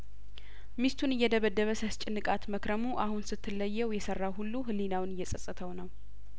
ሚስቱን እየደበደበ ሲያስጨንቃት መክረሙ አሁን ስትለየው የሰራው ሁሉ ህሊናውን እየጸጸተው ነው